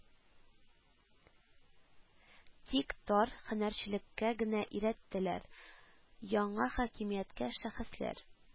Тик тар һөнәрчелеккә генә өйрәттеләр, яңа хакимияткә шәхесләр